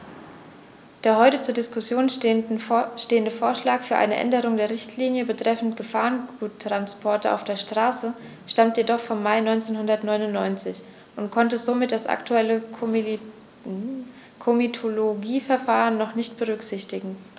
Der heute zur Diskussion stehende Vorschlag für eine Änderung der Richtlinie betreffend Gefahrguttransporte auf der Straße stammt jedoch vom Mai 1999 und konnte somit das aktuelle Komitologieverfahren noch nicht berücksichtigen.